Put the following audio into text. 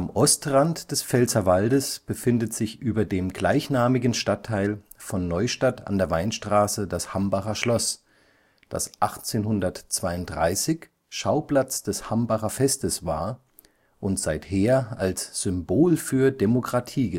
Ostrand des Pfälzerwaldes befindet sich über dem gleichnamigen Stadtteil von Neustadt an der Weinstraße das Hambacher Schloss, das 1832 Schauplatz des Hambacher Festes war und seither als Symbol für Demokratie